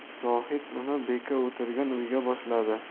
zohid uni beka o'tirgan uyga boshladi